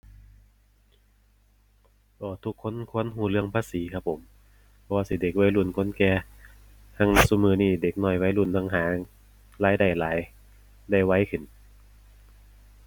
เพราะทุกคนควรรู้เรื่องภาษีครับผม บ่ว่าสิเด็กวัยรุ่น คนแก่ แฮ่งซุมื้อนี้เด็กน้อยวัยรุ่นเพิ่นหารายได้หลาย ได้ไวขึ้น